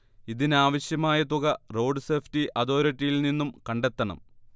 ഇതിനാവശ്യമായ തുക road safety അതോറിറ്റിയിൽ നിന്നും കണ്ടെത്തണം